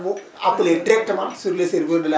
woo appelé directement sur les serveurs de la